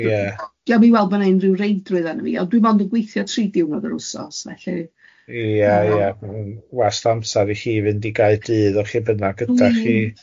Ia. Diom i weld bo' na unrhyw reidrwydd arnom ni, ond dwi mond yn gweithio tri diwrnod yr wsos, felly. Ie, ie, wast o amser i chi fynd i Gaerdydd o lle bynnag ydach chi.